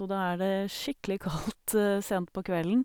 Og da er det skikkelig kaldt sent på kvelden.